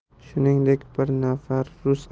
shuningdek bir nafar rus